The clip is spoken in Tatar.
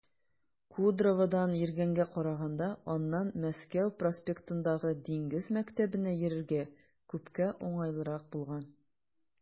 Кудроводан йөргәнгә караганда аннан Мәскәү проспектындагы Диңгез мәктәбенә йөрергә күпкә уңайлырак булган.